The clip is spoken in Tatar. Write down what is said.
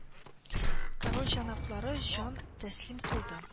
Король җәнаплары җан тәслим кылды